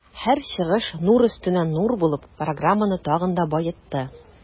Һәр чыгыш нур өстенә нур булып, программаны тагын да баетты.